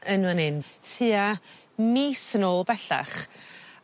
yn fan 'yn tua mis yn ôl bellach